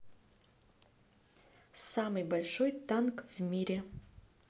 самый большой танк в мире